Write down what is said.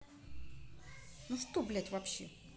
ну что блядь вообще